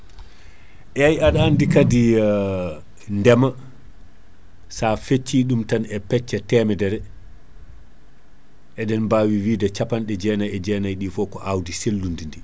eyyi andi kaadi ndeema sa fecci ɗum tan e pecce temedere eɗen baawi capanɗe jeenay e jeenay ɗi foo ko awdi selludi ndi